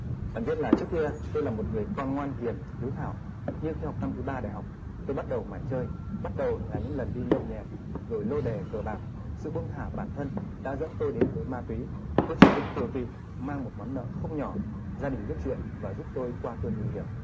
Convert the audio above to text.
anh biết là trước kia tôi là một người con ngoan hiền hiếu thảo nhưng khi học năm thứ ba đại học tôi bắt đầu mải chơi bắt đầu là những lần đi nhậu nhẹt gửi lô đề cờ bạc sự buông thả bản thân đã dẫn tôi đến với ma túy tôi trở nên tiều tụy mang một món nợ không nhỏ gia đình biết chuyện và giúp tôi qua cơn nguy hiểm